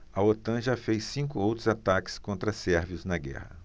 a otan já fez cinco outros ataques contra sérvios na guerra